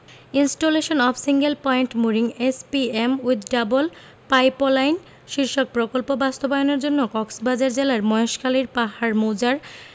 installation of single point mooring SPM with double pipeline শীর্ষক প্রকল্প বাস্তবায়নের জন্য কক্সবাজার জেলার মহেশখালীর পাহাড় মৌজার